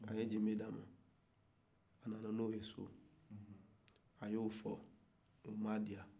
a ye jenbe d'a ma a nana n'o ye so k'o fɔ o m'a diya